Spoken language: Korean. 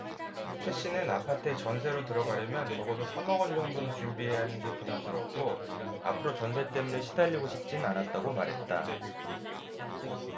최 씨는 아파트에 전세로 들어가려면 적어도 삼 억원 정도는 준비해야 하는 게 부담스러웠고 앞으로 전세 때문에 시달리고 싶진 않았다고 말했다